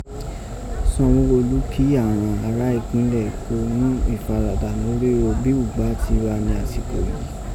Sanwó Olú kí àghan irá ìpẹ́nlẹ̀ Èkó ghún ìfaradà norígho bí ùgbà ti gha ni ásìkò yìí.